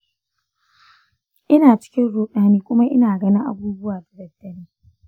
ina cikin ruɗani kuma ina ganin abubuwa da daddare.